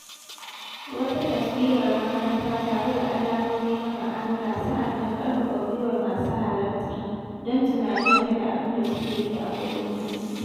Wata taswirar makarantar, tare da alamomi na ma’amala, sa’an nan ƙarfafa gwiwar masu halartar don tunani game da abin da suke yi a kullum ɗinsu.